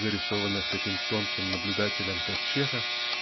зарисованных таким тонким наблюдателем как Чехов